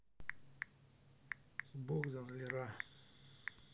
богдан лера